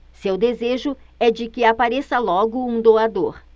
seu desejo é de que apareça logo um doador